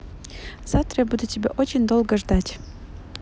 завтра я буду тебя очень долго ждать